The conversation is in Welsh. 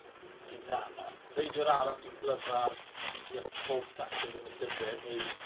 Quintana. Reidiwr arall sy'n glyfar sy'n deall pob tacteg yn y llyfr yw